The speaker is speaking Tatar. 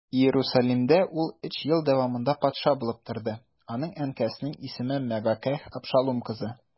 Иерусалимдә ул өч ел дәвамында патша булып торды, аның әнкәсенең исеме Мәгакәһ, Абшалум кызы.